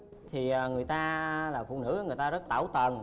thì người ta là phụ nữ người ta rất tảo tần